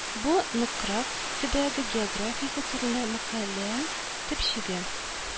Бу Нократ төбәге географиясе турында мәкалә төпчеге